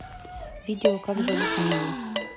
видео как зовут нилу